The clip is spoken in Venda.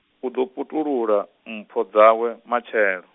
u ḓo putulula, mpho dzawe, matshelo.